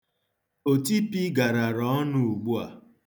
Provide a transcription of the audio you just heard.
Otipi gara ọnụ ugbua.